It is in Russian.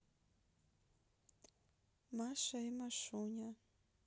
маша и машуня